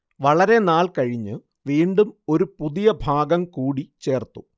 വളരെ നാൾ കഴിഞ്ഞ് വീണ്ടും ഒരു പുതിയ ഭാഗം കൂടി ചേർത്തു